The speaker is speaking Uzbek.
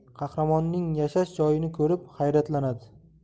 qahramonning yashash joyini ko'rib hayratlanadi